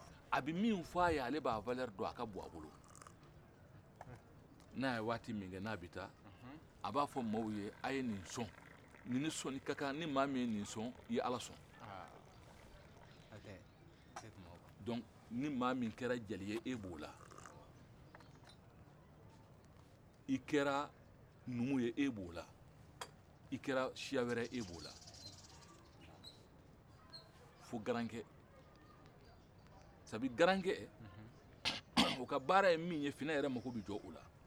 a bɛ min f'a ye ale b'a valeur dɔn a ka bon a bolo n'a ye waati min kɛ n'a bɛ taa a b'a fɔ maaw ye a' ye nin sɔn nin nin sɔnni ka kan ni maa min ye nin sɔn i ye ala sɔn donc nin maa min kɛra jeli ye e b'o la i kɛra nunmu ye e b'o la i kɛra siya wɛre ye e b'o la fo garankɛ sabu garankɛ o ka baara ye min ye finɛ mako bɛ jɔ o la